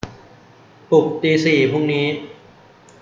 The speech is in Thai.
ปลุกตีสี่พรุ่งนี้